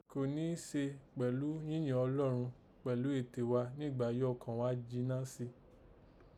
Kò ní í se kpẹ̀lú yínyìn Ọlọ́run kpẹ̀lú ète gha nìgbà yìí ọkàn ghá jìnà si